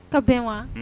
Ka bɛn wa?